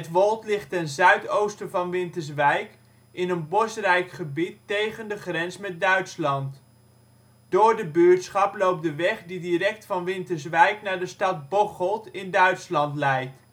Woold ligt ten zuidoosten van Winterswijk, in een bosrijk gebied tegen de grens met Duitsland. Door de buurtschap loopt de weg die direct van Winterswijk naar de stad Bocholt in Duitsland leidt